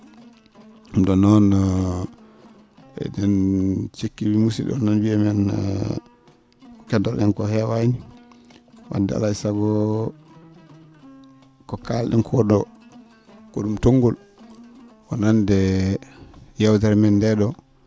?um ?on noon e?en cikki musid?o o nana wiiyamen ko keddora?en ko hewani wadde alaa e sago ko kal?en ko ?o ko ?um tonggol wonande yeewtere men ndee ?o